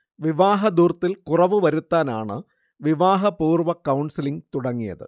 വിവാഹധൂർത്തിൽ കുറവ് വരുത്താനാണ് വിവാഹപൂർവ്വ കൗൺസിലിങ് തുടങ്ങിയത്